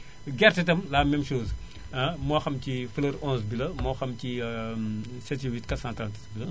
gerte itam la même chose ah moo xam ci fleur 11 bi la moo xam ci * 436 la